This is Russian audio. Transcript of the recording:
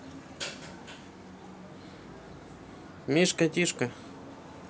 мишка тишка